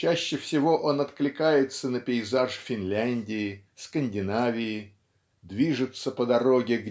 Чаще всего он откликается на пейзаж Финляндии Скандинавии движется по дороге